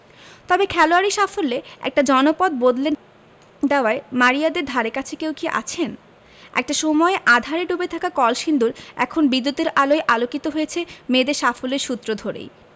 তবে খেলোয়াড়ি সাফল্যে একটা জনপদ বদলে দেওয়ায় মারিয়াদের ধারেকাছে কেউ কি আছেন একটা সময়ে আঁধারে ডুবে থাকা কলসিন্দুর এখন বিদ্যুতের আলোয় আলোকিত হয়েছে মেয়েদের সাফল্যের সূত্র ধরেই